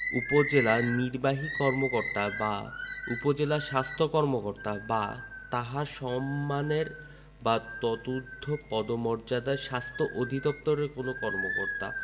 উপজেলা নির্বাহী কর্মকর্তা বা উপজেলা স্বাস্থ্য কর্মকর্তা বা তাঁহার সমমানের বা তদূর্ধ্ব পদমর্যাদার স্বাস্থ্য অধিদপ্তরের কোন কর্মকর্তা